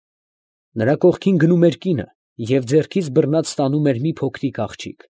Նրա կողքին գնում էր կինը և ձեռքից բռնած տանում էր մի փոքրիկ աղջիկ։